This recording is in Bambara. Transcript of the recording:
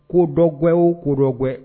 Kodɔ guwɛ o kodɔ guwɛ